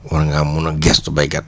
war ngaa mun a gestu béykat